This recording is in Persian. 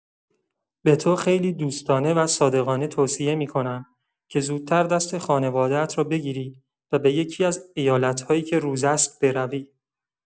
به تو خیلی دوستانه و صادقانه توصیه می‌کنم که زودتر دست خانواده‌ات را بگیری و به یکی‌از ایالت‌هایی که روز است بروی.